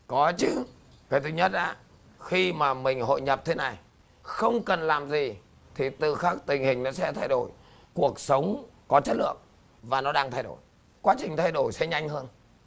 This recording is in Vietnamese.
có chứ cái thứ nhất ạ khi mà mình hội nhập thế này không cần làm gì thì tự khắc tình hình nó sẽ thay đổi cuộc sống có chất lượng và nó đang thay đổi quá trình thay đổi sẽ nhanh hơn